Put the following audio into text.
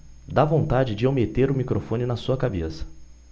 dá vontade de eu meter o microfone na sua cabeça